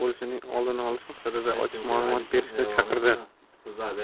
bo'lishining oldini olish maqsadida ochiq ma'lumot berishga chaqirdi